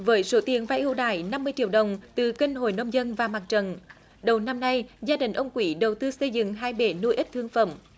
với số tiền vay ưu đãi năm mươi triệu đồng từ kênh hội nông dân và mặt trận đầu năm nay gia đình ông quỷ đầu tư xây dựng hai bể nuôi ếch thương phẩm